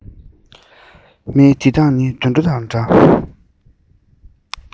མི དེ དག ནི དུད འགྲོ དང འདྲ